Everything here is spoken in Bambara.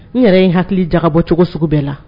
Ne yɛrɛ ye hakili jakabɔ cogo sugu bɛɛ la